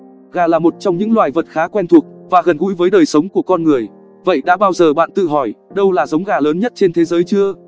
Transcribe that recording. gà là một trong những loài vật khá quen thuộc và gần gũi với đời sống của con người vậy đã bao giờ bạn tự hỏi đâu là giống gà lớn nhất trên thế giới chưa